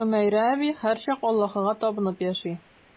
Хөмәйрә әби һәрчак Аллаһыга табынып яши.